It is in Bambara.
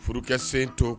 Furukɛ sen to